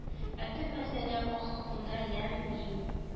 Ә төп мәсьәлә кахакында ләм-мим